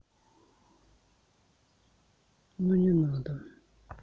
ну не надо